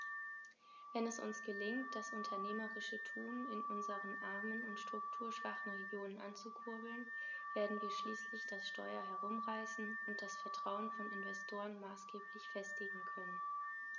Wenn es uns gelingt, das unternehmerische Tun in unseren armen und strukturschwachen Regionen anzukurbeln, werden wir schließlich das Steuer herumreißen und das Vertrauen von Investoren maßgeblich festigen können.